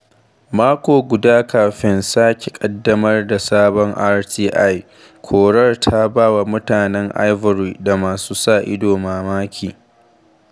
Mako guda kafin sake ƙaddamar da sabon RTI, korar ta ba wa mutanen Ivory da masu sa ido mamaki.